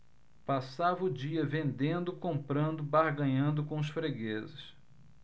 passava o dia vendendo comprando barganhando com os fregueses